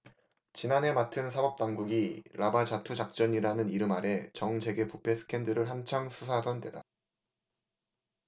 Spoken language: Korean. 지난해 말은 사법 당국이 라바 자투 작전이라는 이름 아래 정 재계 부패 스캔들을 한창 수사하던 때다